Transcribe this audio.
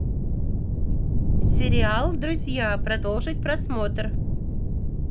сериал друзья продолжить просмотр